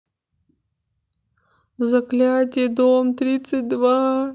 заклятье дом тридцать два